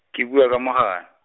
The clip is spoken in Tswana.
ke bua ka moga-.